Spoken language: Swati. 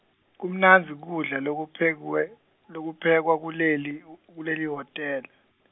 kumnandzi kudla lokuphekwe, lokuphekwa kuleli- kulelihhotela.